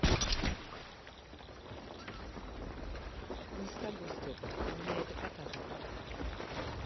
не стобой степа у меня это кота зовут